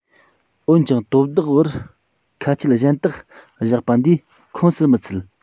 འོན ཀྱང དོ བདག བར ཁ ཆད གཞན དག བཞག པ འདིའི ཁོངས སུ མི ཚུད